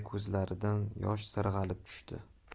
ko'zlaridan yosh sirg'alib tushdi